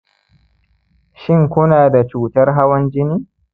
shin ku na da cutar hawan jini